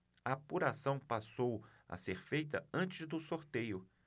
a apuração passou a ser feita antes do sorteio